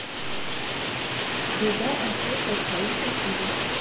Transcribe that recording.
Դե դա արդեն խորքային խնդիր ա։